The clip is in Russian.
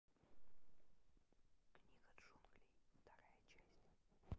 книга джунглей вторая часть